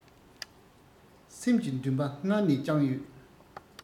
སེམས ཀྱི འདུན པ སྔར ནས བཅངས ཡོད